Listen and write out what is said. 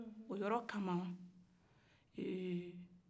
o yɔrɔ kama